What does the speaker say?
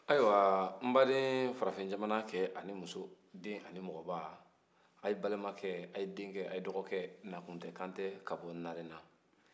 ayiwa n baden farafinjamana cɛ ani muso denmisɛn ani mɔgɔkɔrɔba aw balimakɛ aw denkɛ aw dɔgɔkɛ nakuntɛ kantɛ ka bɔ narena